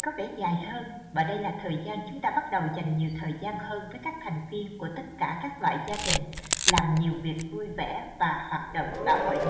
ngày có vẻ dài hơn và đây là thời gian chúng ta bắt đầu dành nhiều thời gian hơn với các thành viên của tất cả các loại gia đình làm nhiều việc vui vẻ và hoạt động xã hội nhiều hơn